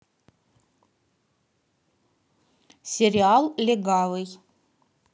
сериал легавый